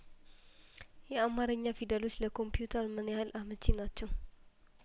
የአማርኛ ፊደሎች ለኮምፒውተርምን ያህል አመቺ ናቸው